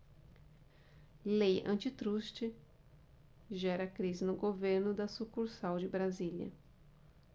lei antitruste gera crise no governo da sucursal de brasília